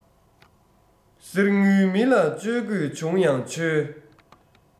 གསེར དངུལ མི ལ བཅོལ དགོས བྱུང ཡང ཆོལ